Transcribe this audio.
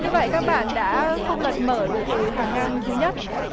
như vậy các bạn đã không lật mở được từ hàng ngang thứ nhất